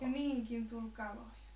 ja niihinkin tuli kaloja